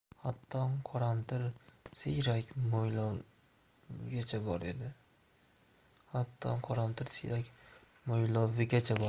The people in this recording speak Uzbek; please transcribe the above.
hatto qoramtir siyrak mo'ylovigacha bor edi